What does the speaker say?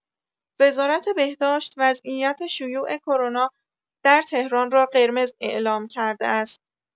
وزارت بهداشت وضعیت شیوع کرونا در تهران را قرمز اعلام کرده است.